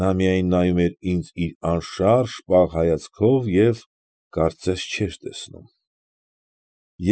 Նա միայն նայում էր ինձ իր անշարժ, պաղ հայացքով և, կարծես, չէր տեսնում։